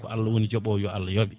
ko Allah woni jooɓowo yo Allah yooɓe